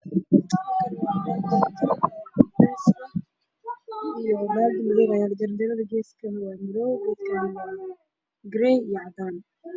Meeshaan oo meel jaraan jar ah waxayna u dhaxeysaa laba darbi darajada oo cadaalad daweydar bil waa madow